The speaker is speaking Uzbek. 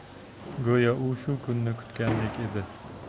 go'yo u shu kunni kutgandek edi